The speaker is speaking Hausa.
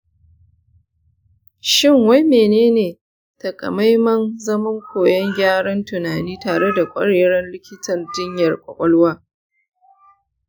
shin wai menene taƙamaiman zaman koyon gyaran tunani tare da ƙwararren likitan jinyar warkarwa?